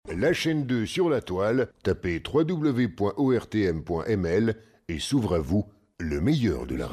Lassi don suko la tɔgɔya tap pe yen tɔgɔdilu bɛ bɔ o kuyate bɔn emeɛlɛ suugfin mi yɔrɔdu la